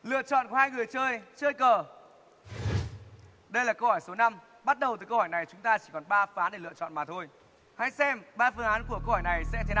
lựa chọn hai người chơi chơi cờ đây là câu hỏi số năm bắt đầu từ câu hỏi này chúng ta chỉ còn ba phương án để lựa chọn mà thôi hãy xem ba phương án của câu hỏi này sẽ thế